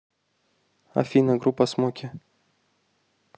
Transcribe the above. афина группа smokie